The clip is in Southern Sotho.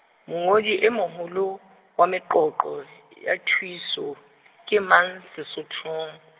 mongodi e moholo, wa meqoqo, ya thuiso, ke mang, Sesothong?